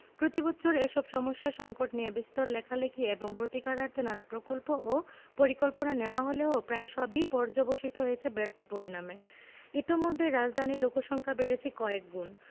প্রতিবছর এসব সমস্যা সঙ্কট নিয়ে বিস্তর লেখালেখি এবং প্রতিকারার্থে নানা প্রকল্প ও পরিকল্পনা নেয়া হলেও প্রায় সবই পর্যবসিত হয়েছে ব্যর্থ পরিণামে ইতোমধ্যে রাজধানীর লোকসংখ্যা বেড়েছে কয়েকগুণ